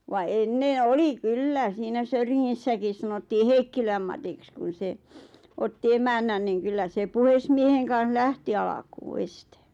vaan ennen oli kyllä siinä Söyringissäkin sanottiin Heikkilän Matiksi kun se otti emännän niin kyllä se puhemiehen kanssa lähti alkuun ensin